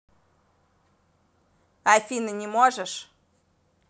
афина не можешь